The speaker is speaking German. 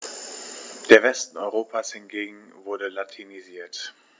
Der Westen Europas hingegen wurde latinisiert.